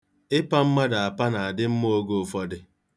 Ịpa mmadụ apa na-adị mma oge ụfọdụ.